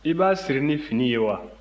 i bɛ a siri ni fini ye wa